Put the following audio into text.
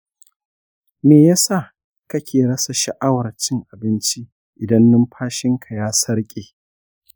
me yasa kake rasa sha'awar cin abinci idan numfashinka ya sarƙe?